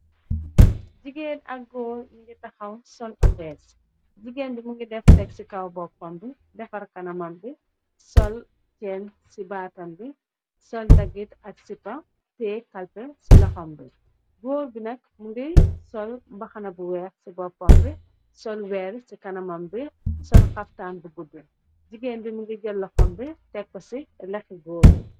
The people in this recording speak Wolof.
Jigéen ak góor nungi tahaw sol otees. Jigéen bi mu ngi def teg ci kaw boppam bi, defar kanamam bi, sol chenn ci baatam bi, sol dagit ak sipa, tee kalpeh ci lohom bi. Góor bi nag mu ngi sol mbahana bu weex ci boppam bi, sol weer ci kanamam bi, sol haftaan bu guddu. Jigéen bi mu ngi jël loham bi tek koci lehhi góor bi.